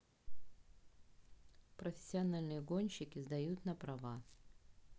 профессиональные гонщики сдают на права